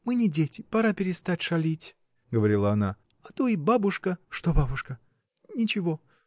— Мы не дети: пора перестать шалить, — говорила она, — и то бабушка. — Что бабушка? — Ничего.